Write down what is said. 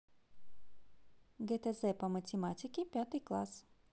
гдз по математике пятый класс